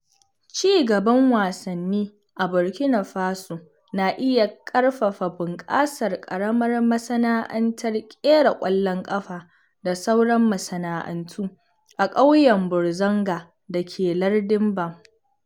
Ci gaban wasanni a Burkina Faso na iya ƙarfafa bunƙasar ƙaramar masana’antar ƙera ƙwallon kafa (da sauran masana'antu) a ƙauyen Bourzanga da ke lardin Bam.